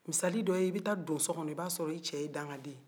masali dɔ ye e bɛ ta don so kɔnɔ e b'a sɔrɔ i cɛ ye dankaden ye